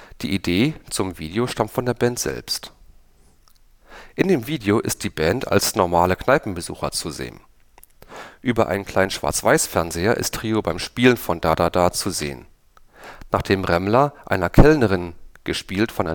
Die Idee zum Video stammt von der Band selbst. In dem Video ist die Band als normale Kneipenbesucher zu sehen. Über einen kleinen Schwarz-weiß-Fernseher ist Trio beim Spielen von „ Da da da “zu sehen. Nachdem Remmler einer Kellnerin (gespielt von